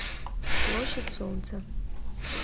площадь солнца